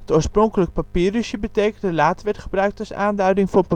oorspronkelijk papyrusje betekent en later werd gebruikt als aanduiding van papier